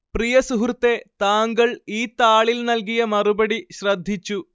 പ്രിയ സുഹൃത്തേ താങ്കൾ ഈ താളിൽ നൽകിയ മറുപടി ശ്രദ്ധിച്ചു